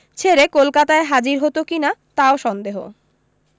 ছেড়ে কলকাতায় হাজির হতো কিনা তাও সন্দেহ